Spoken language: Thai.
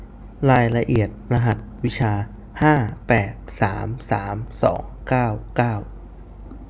รายละเอียดรหัสวิชาห้าแปดสามสามสองเก้าเก้า